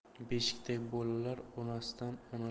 beshikdagi bolalar onasidan